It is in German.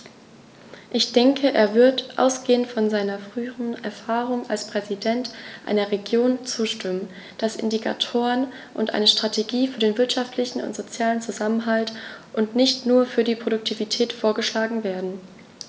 Ich denke, er wird, ausgehend von seiner früheren Erfahrung als Präsident einer Region, zustimmen, dass Indikatoren und eine Strategie für den wirtschaftlichen und sozialen Zusammenhalt und nicht nur für die Produktivität vorgeschlagen werden.